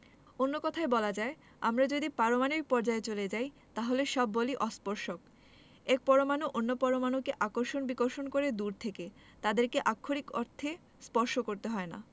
অন্য কথায় বলা যায় আমরা যদি পারমাণবিক পর্যায়ে চলে যাই তাহলে সব বলই অস্পর্শক এক পরমাণু অন্য পরমাণুকে আকর্ষণবিকর্ষণ করে দূর থেকে তাদেরকে আক্ষরিক অর্থে স্পর্শ করতে হয় না